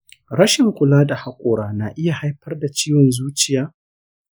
rashin kula da haƙora na iya haifar da ciwon zuciya?